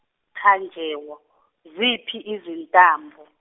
Tajewo ziphi izintambo.